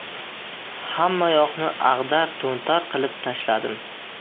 hammayoqni ag'dar to'ntar qilib tashladim